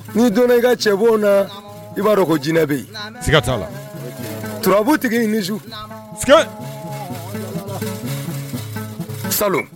N'i donna i ka cɛ bon na, i b'a dɔn ko jinɛ bɛ yen , siga t'a la turabu _ tigi, i ni su. salɔn, sikei!